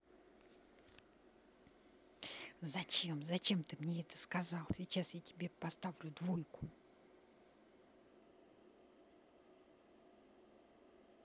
зачем зачем ты мне это сказал сейчас я тебе поставлю двойку